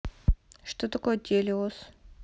что такое теллиос